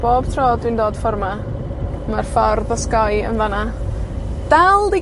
bob tro dwi'n dod ffor 'ma, ma'r ffordd osgoi yn fan 'na dal 'di